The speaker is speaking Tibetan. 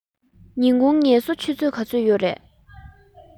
ཉིན གུང ངལ གསོ ཆུ ཚོད ག ཚོད ཡོད རས